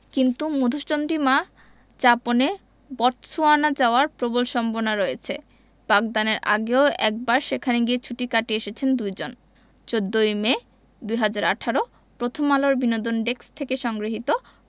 কিন্তু মধুচন্দ্রিমা যাপনে বটসওয়ানা যাওয়ার প্রবল সম্ভাবনা রয়েছে বাগদানের আগেও একবার সেখানে গিয়ে ছুটি কাটিয়ে এসেছেন দুজন ১৪ই মে ২০১৮ প্রথমআলোর বিনোদন ডেস্কথেকে সংগ্রহীত